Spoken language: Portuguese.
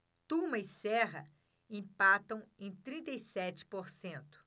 tuma e serra empatam em trinta e sete por cento